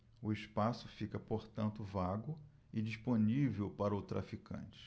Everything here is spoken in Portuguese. o espaço fica portanto vago e disponível para o traficante